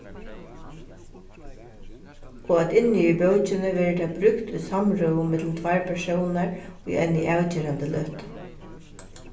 og at inni í bókini verður tað brúkt í samrøðu millum tveir persónar í einari avgerandi løtu